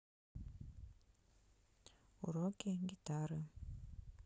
уроки гитары